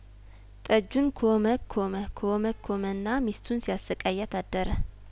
ጠጁን ኰመኰመ ኰመኰመና ሚስቱን ሲያሰቃያት አደረ